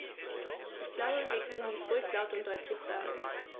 Ich glaube, wir können dies ruhig laut und deutlich sagen.